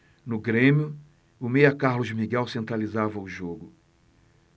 no grêmio o meia carlos miguel centralizava o jogo